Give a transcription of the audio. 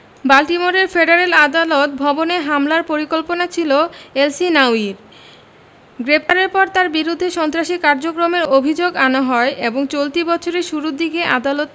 বাল্টিমোরের ফেডারেল আদালত ভবনে হামলার পরিকল্পনা ছিল এলসহিনাউয়ির গ্রেপ্তারের পর তাঁর বিরুদ্ধে সন্ত্রাসী কার্যক্রমের অভিযোগ আনা হয় এবং চলতি বছরের শুরুর দিকে আদালত